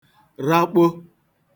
rakpo